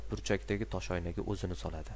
burchakdagi toshoynaga o'zini soladi